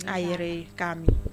Ta a yɛrɛ ye k'a min